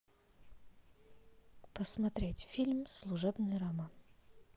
посмотреть фильм служебный роман